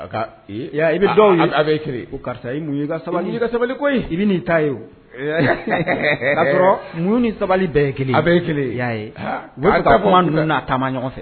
A ka e i y'a ye, a bɛɛ ye kelen ye ko karisa i muɲu i ka sabali i ka sabali koyi i bɛ n'i ta ye wo, kasɔrɔ, muɲu ni sabali bɛɛ ye kelen ye, a bɛɛ ye kelen ye, i y'a ye kuma ninnu na taama ɲɔgɔn fɛ